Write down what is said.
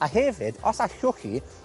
A hefyd, os allwch chi,